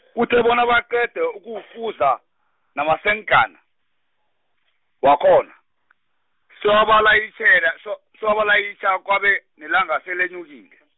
kuthe bona baqede ukuwufuza, namasenkana, wakhona, sebawalayitjhela se- sewabalayitjha kwabe nelanga selenyukile.